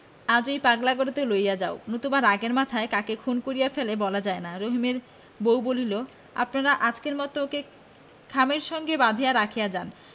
আজই পাগলা গারদে লইয়া যাও নতুবা রাগের মাথায় কাকে খুন করিয়া ফেলে বলা যায় না রহিমের বউ বলিল আপনারা আজকের মতো ওকে খামের সঙ্গে বাঁধিয়া রাখিয়া যান